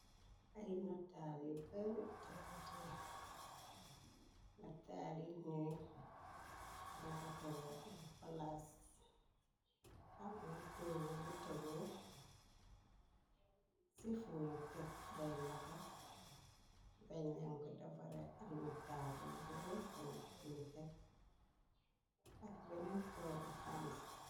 Ay nataal yu bare te wuute , nataal yi ñuy rafetale ay palaas, am na tuug bu tege ci fuñuy tek ay laxo, beñ yank defare am na taabul bu rëytami piñu tekk ak beneen toobu xang.